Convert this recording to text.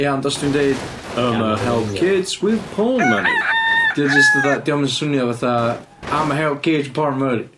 Ie ond os dwi'n deud, Urma help kids with porn money 'di o jyst fatha dio'm yn swnio fatha, I'm a help kids wi' porn money.